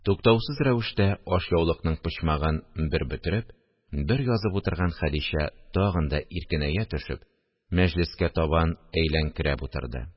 Туктаусыз рәвештә ашъяулыкның почмагын бер бөтереп, бер язып утырган Хәдичә тагын да иркенәя төшеп, мәҗлескә табан әйләнкерәп утырды